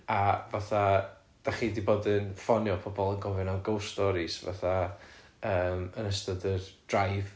a fatha dach chi 'di bod yn ffonio pobl yn gofyn am ghost stories fatha yym yn ystod yr drive